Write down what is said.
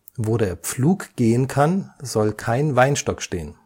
Wo der Pflug gehen kann, soll kein Weinstock stehen